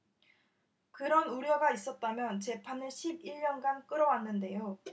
그런 우려가 있었다면 재판을 십 일 년간 끌어왔는데요